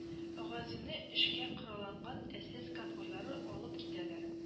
Газины эшкә коралланган эсэс конвойлары алып китәләр